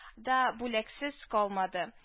Да бүләксез калмады: